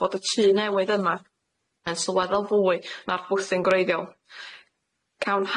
fod y tŷ newydd yma yn sylweddol fwy na'r bwrthyn gwreiddiol cawn